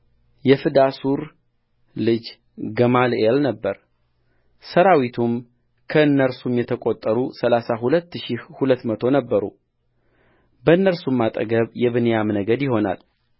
የፍዳሱር ልጅ ገማልኤል ነበረሠራዊቱም ከእነርሱም የተቈጠሩ ሠላሳ ሁለት ሺህ ሁለት መቶ ነበሩበእነርሱም አጠገብ የብንያም ነገድ ይሆናል